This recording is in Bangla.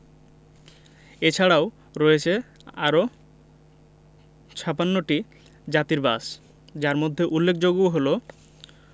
এছারাও রয়েছে আরও ৫৬ টি জাতির বাস যার মধ্যে উল্লেখযোগ্য হলো